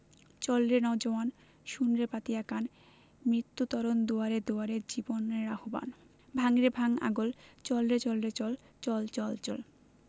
চল রে নও জোয়ান শোন রে পাতিয়া কান মৃত্যু তরণ দুয়ারে দুয়ারে জীবনের আহবান ভাঙ রে ভাঙ আগল চল রে চল রে চল চল চল চল